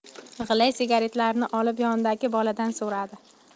g'ilay sigaretlarni olib yonidagi boladan so'radi